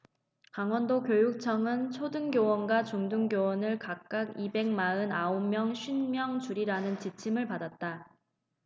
강원도교육청은 초등교원과 중등교원을 각각 이백 마흔 아홉 명 쉰 명 줄이라는 지침을 받았다